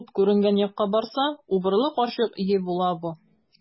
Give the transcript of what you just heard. Ут күренгән якка барса, убырлы карчык өе була бу.